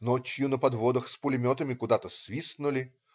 Ночью на подводах, с пулеметами куда-то свистнули.